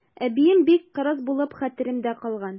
Әбием бик кырыс булып хәтеремдә калган.